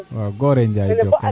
waaw goore Njaay